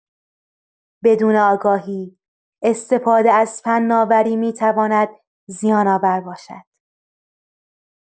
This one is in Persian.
بدون آگاهی، استفاده از فناوری می‌تواند زیان‌آور باشد.